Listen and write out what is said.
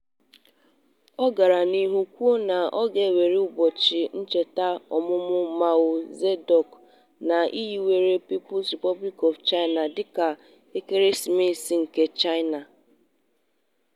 Ọ gara n'ihu ikwu na a ga-ewere ụbọchị ncheta ọmụmụ Mao Zedong, nna hiwere People's Republic of China, dị ka ekeresimesi nke China: